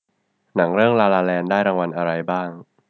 หนังเรื่องลาลาแลนด์ได้รางวัลอะไรบ้าง